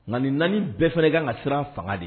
Na naani bɛɛ fana kan ka siran an fanga de